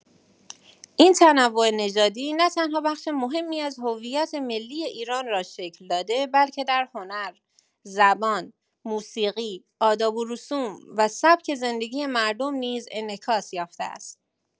این تنوع نژادی نه‌تنها بخش مهمی از هویت ملی ایران را شکل داده، بلکه در هنر، زبان، موسیقی، آداب و رسوم و سبک زندگی مردم نیز انعکاس یافته است.